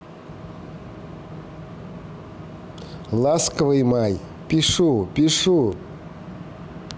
ласковый май пишу пишу